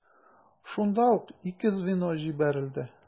Шунда ук ике звено җибәрелде.